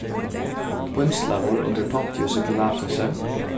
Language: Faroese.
pínslaður undir pontiusi pilatusi